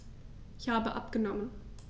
Ich habe abgenommen.